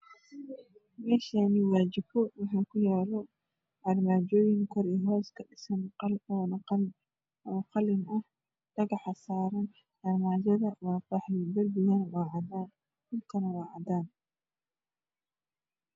Me Shani wa jiko waxa kuyalo armaajo yin kor iya hoos ka dhi san qol Ona qalin ah dha gax aya saran armajada wa qaxwi dar bigana wa cadaan dhul ku na wa cadan